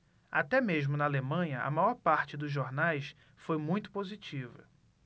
até mesmo na alemanha a maior parte dos jornais foi muito positiva